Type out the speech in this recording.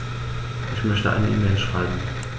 Ich möchte eine E-Mail schreiben.